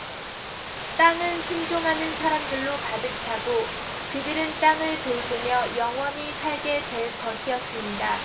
땅은 순종하는 사람들로 가득 차고 그들은 땅을 돌보며 영원히 살게 될 것이었습니다